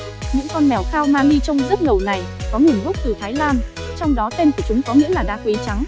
những con mèo khao manee trông rất ngầu này có nguồn gốc từ thái lan trong đó tên của chúng có nghĩa là đá quý trắng